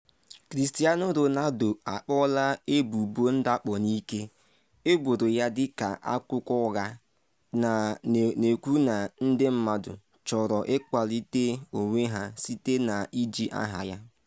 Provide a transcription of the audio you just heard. Cristiano Ronaldo akpọọla ebubo ndakpo n’ike eboro ya dịka “akụkọ ụgha,” na-ekwu na ndị mmadụ “chọrọ ịkwalite onwe ha” site na iji aha ya.